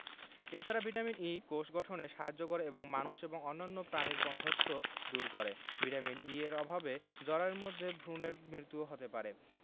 এ ছাড়া vitamin E কোষ গঠনে সাহায্য করে এবং মানুষ এবং অন্যান্য প্রাণীর বন্ধ্যাত্ব দূর করে ভিটামিন ই এর অভাবে জরায়ুর মধ্যে ভ্রুনের মৃত্যুও হতে পারে